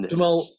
Dwi me'wl